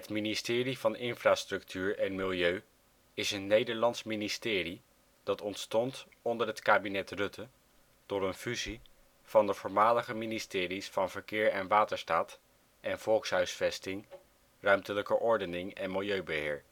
ministerie van Infrastructuur en Milieu is een Nederlands ministerie dat ontstond onder het kabinet-Rutte door een fusie van de voormalige ministeries van Verkeer en Waterstaat en Volkshuisvesting, Ruimtelijke Ordening en Milieubeheer